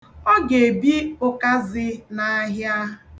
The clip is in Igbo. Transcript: Ọ ga-ebi ụkazị n'ahịa.